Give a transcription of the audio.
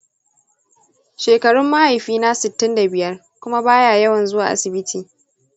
shekarun mahaifina sittin da biyar, kuma baya yawan zuwa asibiti.